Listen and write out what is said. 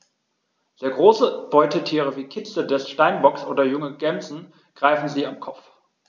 Sehr große Beutetiere wie Kitze des Steinbocks oder junge Gämsen greifen sie am Kopf.